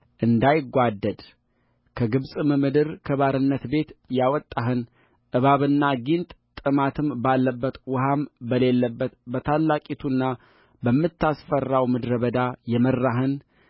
እንዳይጓደድከግብፅም ምድር ከባርነት ቤት ያወጣህንእባብና ጊንጥ ጥማትም ባለባት ውኃም በሌለባት በታላቂቱና በምታስፈራው ምድረ በዳ የመራህን